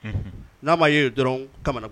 Unhun; N'a ma ye yen dɔrɔn u kamana